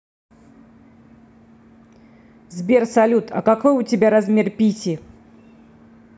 сбер салют а какой у тебя размер писи